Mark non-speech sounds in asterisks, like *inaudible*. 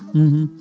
*hesitation* *hesitation*